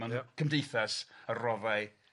Ia. Mewn cymdeithas a roddai